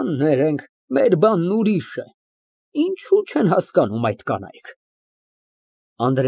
ՄԱՐԳԱՐԻՏ ֊ Ինձ համար այսուհետև միևնույն է։ Ես ունիմ իմ ձեռքում փաստեր, որոնք քարերին անգամ կարող են համոզել, թե մեր հայրը կողոպտել է մի որբ ընտանիք, և կողոպտել է ամենայն անգթությամբ։